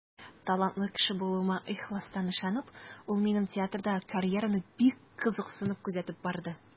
Талантлы кеше булуыма ихластан ышанып, ул минем театрдагы карьераны бик кызыксынып күзәтеп барды.